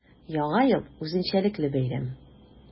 Яңа ел – үзенчәлекле бәйрәм.